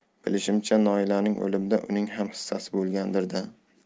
bilishimcha noilaning o'limida uning ham hissasi bo'lgandir da